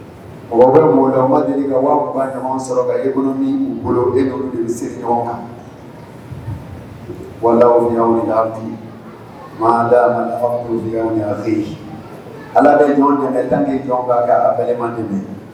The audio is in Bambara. O bɛ mɔdaba deli ɲɔgɔn saraka e bolo min bolo e' de se ɲɔgɔn kan wala ni bi mada ala de ɲɔgɔnke jɔn' ka balimalima